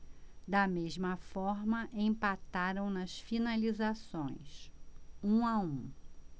da mesma forma empataram nas finalizações um a um